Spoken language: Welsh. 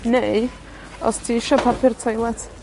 Neu, os ti isio papur toiled